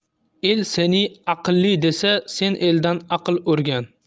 el seni aqlli desa sen eldan aql o'rgan